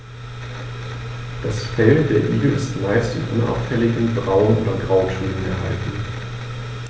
Das Fell der Igel ist meist in unauffälligen Braun- oder Grautönen gehalten.